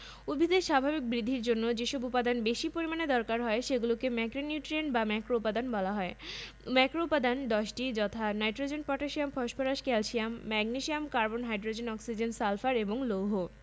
magnesium chlorophyll অণুর একটি গুরুত্বপুর্ণ উপাদান এবং শ্বসন প্রক্রিয়ায় সাহায্য করে এর অভাব হলে ক্লোরোফিল অণু সৃষ্টি এবং সালোকসংশ্লেষণ প্রক্রিয়ায় খাদ্য প্রস্তুত ব্যাহত হবে পটাশিয়াম উদ্ভিদের বহু জৈবিক